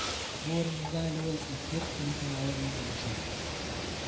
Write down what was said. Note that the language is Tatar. Бу урынны да әле ул Эфир телеканалы белән бүлешә